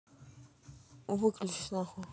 выключись на хуй